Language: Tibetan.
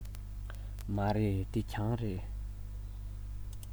མ རེད འདི གྱང རེད